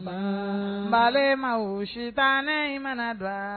Faamu malo ma sitan ne in mana don